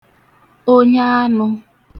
onye anụ̄